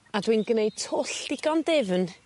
A dwi'n gneud twll digon difn